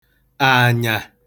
àànyà